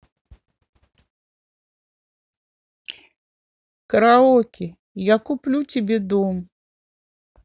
караоке я куплю тебе дом